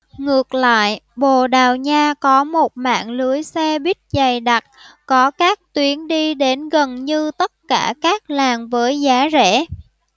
ngược lại bồ đào nha có một mạng lưới xe buýt dày đặc có các tuyến đi đến gần như tất cả các làng với giá rẻ